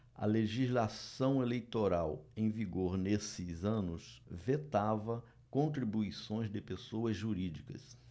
a legislação eleitoral em vigor nesses anos vetava contribuições de pessoas jurídicas